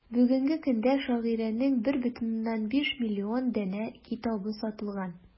Бүгенге көндә шагыйрәнең 1,5 миллион данә китабы сатылган.